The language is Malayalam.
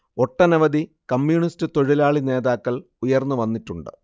ഒട്ടനവധി കമ്യൂണിസ്റ്റ് തൊഴിലാളി നേതാക്കൾ ഉയർന്നു വന്നിട്ടുണ്ട്